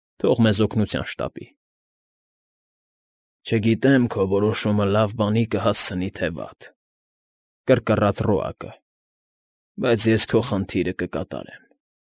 Թող մեզ օգնության շտապի։ ֊ Չգիտեմ քո որոշումը լավ բանի կհասցնի, թե վատ,֊ կռկռաց Ռոակը,֊ բայց ես քո խնդրանքը կկատարեմ։